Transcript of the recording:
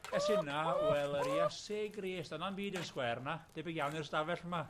ers hynna, wel yr Iesu Grist, o'dd na'm byd yn sgwêr 'na, debyg iawn i'r stafell yma.